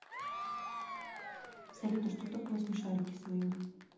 салют а что такое смешарики свою